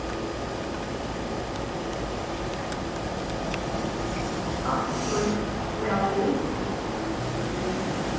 alt veit væl við